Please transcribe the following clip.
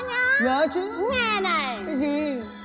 nghe nài